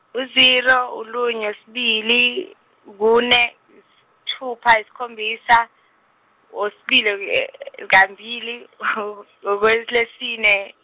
u- zero ulunje kunye kubili kune isithupha isikhombisa, .